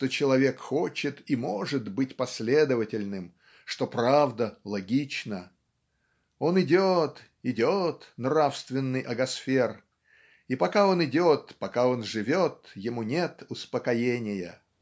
что человек хочет и может быть последовательным что правда логична? Он идет идет нравственный Агасфер и пока он идет пока он живет ему нет успокоения.